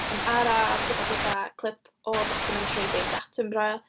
Yn araf, rywbeth fatha clip o documentary David Attenborough.